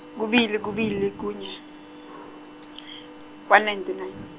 kubili kubili kunye, one ninety nine.